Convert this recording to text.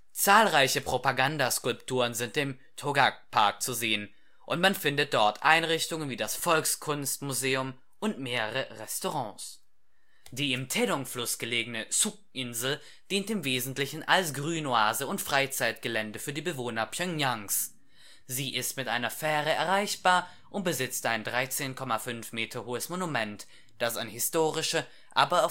Zahlreiche Propaganda-Skulpturen sind im Jogak-Park zu sehen, und man findet dort Einrichtungen wie das Volkskunstmuseum und mehrere Restaurants. Die im Taedong-Fluss gelegene Ssuk-Insel dient im Wesentlichen als Grünoase und Freizeitgelände für die Bewohner Pjöngjangs. Sie ist mit einer Fähre erreichbar und besitzt ein 13,5 Meter hohes Monument, das an historische, aber